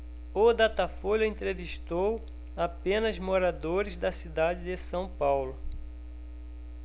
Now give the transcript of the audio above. o datafolha entrevistou apenas moradores da cidade de são paulo